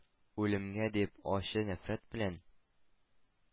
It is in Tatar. «үлемгә, дип, ачы нәфрәт белән